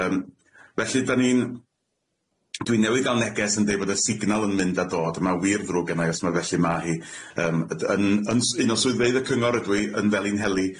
Yym felly 'dan ni'n. Dwi newydd ga'l neges yn deud bod y signal yn mynd a dod, ma' wir ddrwg gennai os ma' felly ma' hi yym, yd- yn yn s- un o swyddfeydd y cyngor ydw i yn Felin Heli,